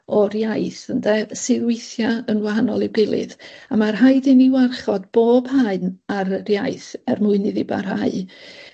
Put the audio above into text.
o'r iaith ynde sydd weithia' yn wahanol i'w gilydd a ma' rhaid i ni warchod bob haen ar yr iaith er mwyn iddi barhau.